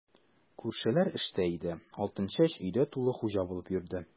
Күршеләр эштә иде, Алтынчәч өйдә тулы хуҗа булып йөрде.